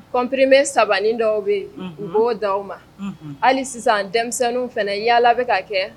Compbme saba dɔw bɛ yen u b'o di aw ma hali sisan denmisɛnnin fana yalala bɛ ka kɛ